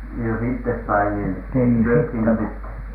no jos itse sai niin syötiinkö sitten